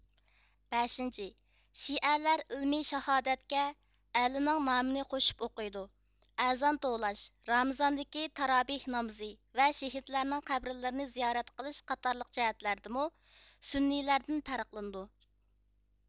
بەشىنچى شىئەلەر ئىلمى شاھادەت كە ئەلىنىڭ نامىنى قوشۇپ ئوقۇيدۇ ئەزان توۋلاش رامزاندىكى تارابېھ نامىزى ۋە شېھىتلەرنىڭ قەبرىلىرىنى زىيارەت قىلىش قاتارلىق جەھەتلەردىمۇ سۈننىيلەردىن پەرقلىنىدۇ